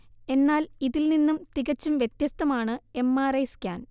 എന്നാൽ ഇതിൽനിന്നും തികച്ചും വ്യത്യസ്തമാണ് എം ആർ ഐ സ്കാൻ